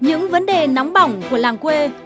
những vấn đề nóng bỏng của làng quê